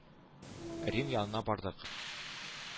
Рим янына бардык.